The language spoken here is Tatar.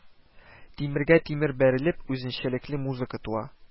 Тимергә тимер бәрелеп, үзенчәлекле музыка туа